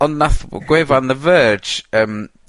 ond nath gw- gwefan The Verge yym